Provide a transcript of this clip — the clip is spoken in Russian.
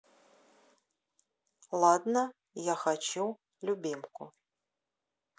ладно я хочу любимку